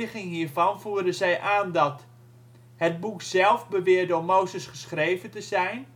hiervan voeren zij aan dat: Het boek zelf beweert door Mozes geschreven te zijn